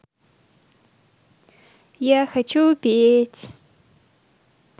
я хочу петь